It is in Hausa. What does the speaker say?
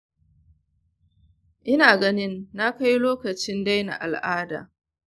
ina ganin na kai lokacin daina al’ada.